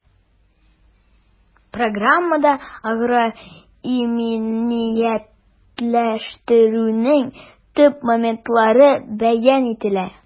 Программада агроиминиятләштерүнең төп моментлары бәян ителә.